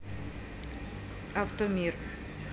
авто мир